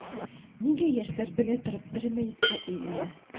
Нигә яшьләр белә торып тере мәеткә әйләнә?